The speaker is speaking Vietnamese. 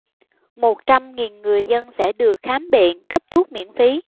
một trăm nghìn người dân sẽ được khám bệnh cấp thuốc miễn phí